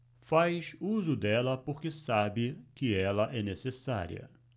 faz uso dela porque sabe que ela é necessária